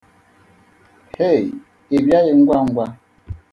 Hei, ị bịaghị ngwangwa?